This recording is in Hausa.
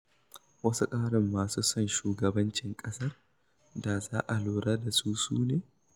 Wasu ƙarin masu son shugabancin ƙasar da za a lura da su su ne: